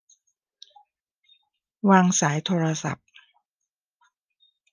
วางสายโทรศัพท์